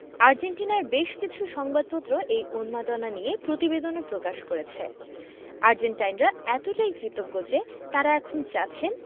আর্জেন্টিনার বেশ কিছু সংবাদপত্র এই উন্মাদনা নিয়ে প্রতিবেদনও প্রকাশ করেছে আর্জেন্টাইনরা এতটাই কৃতজ্ঞ যে তাঁরা এখন চাচ্ছেন